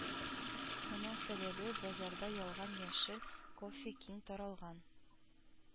Моның сәбәбе базарда ялган яшел кофе киң таралган